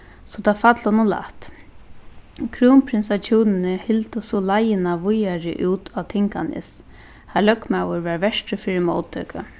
so tað fall honum lætt krúnprinsahjúnini hildu so leiðina víðari út á tinganes har løgmaður var vertur fyri móttøku